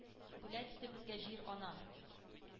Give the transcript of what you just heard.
Бүләк итеп безгә җир-ана.